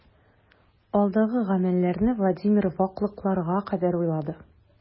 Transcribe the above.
Алдагы гамәлләрне Владимир ваклыкларына кадәр уйлады.